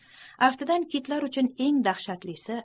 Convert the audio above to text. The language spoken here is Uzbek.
aftidan kitlar uchun eng dahshatlisi